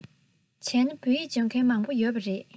བྱས ན བོད ཡིག སྦྱོང མཁན མང པོ ཡོད པ རེད